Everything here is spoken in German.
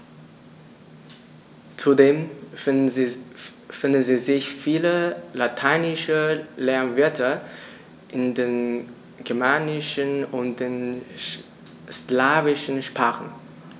Zudem finden sich viele lateinische Lehnwörter in den germanischen und den slawischen Sprachen.